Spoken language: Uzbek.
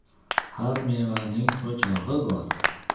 har mevaning po'chog'i bor